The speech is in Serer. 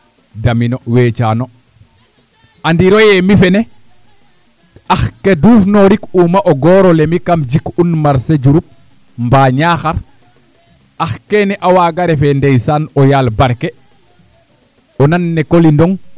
damino wecaano andiro yee mi fene ax ke duufnorikuuma o goor ole mi kam jiku'un marcher Diouroup mbaa Niakhar ax keene a waaga ref ee ndeysaan o yaal barke o nan nene Coly Ndong `